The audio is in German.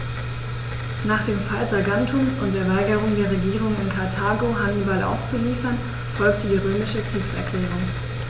Nach dem Fall Saguntums und der Weigerung der Regierung in Karthago, Hannibal auszuliefern, folgte die römische Kriegserklärung.